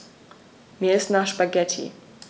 Mir ist nach Spaghetti.